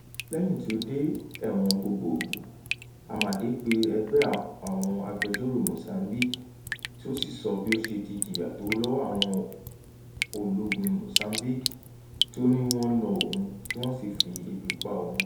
Lẹ́yìn tí ó dé ẹ̀wọ̀n gbogboògbò, Amade pe ẹgbẹ́ àwọn agbẹjọ́rò Mozambique tí ó sì sọ bí ó ṣe ti jìyà tó lọ́wọ́ àwọn ológun Mozambique tí ó ní wọ́n na òun tí wọ́n sì fi ebi pa òun.